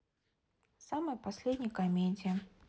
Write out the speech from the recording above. самые последние комедии